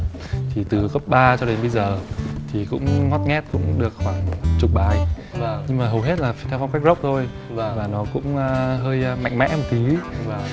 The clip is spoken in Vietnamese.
thì từ cấp ba cho đến bây giờ thì cũng ngót nghét cũng được khoảng chục bài nhưng hầu hết là theo phong cách rốc thôi và nó cũng hơi mạnh mẽ một tí